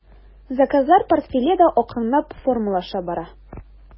Заказлар портфеле дә акрынлап формалаша бара.